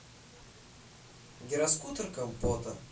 гироскутер компота